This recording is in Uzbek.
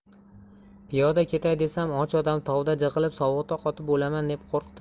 piyoda ketay desam och odam tovda jig'ilib sovuqda qotib o'laman deb qo'rqdim